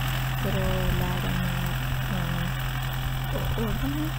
For å lære mer o ordene.